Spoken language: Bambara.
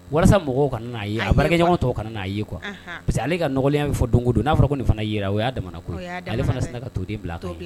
Walasa mɔgɔw kana n'a ye abakɛ ɲɔgɔn tɔgɔ kana' aa ye kuwa parce que ale ka n nɔgɔkɔlenya fɔ don don n'a fɔra ko nin fana ye o y'a jamana kuwa ale fana sen ka tuden bila